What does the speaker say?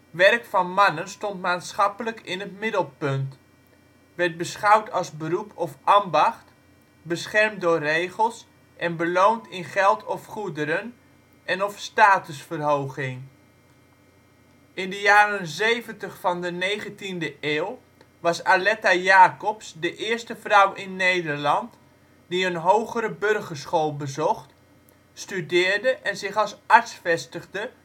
Werk van mannen stond maatschappelijk in het middelpunt, werd beschouwd als beroep of ambacht, beschermd door regels en beloond in geld of goederen en/of statusverhoging In de jaren zeventig van de negentiende eeuw was Aletta Jacobs de eerste vrouw in Nederland die een Hoogere Burgerschool bezocht, studeerde en zich als arts vestigde